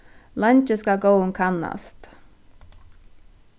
leingi skal góðum kannast